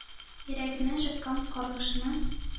Йөрәгеннән чыккан каргышны.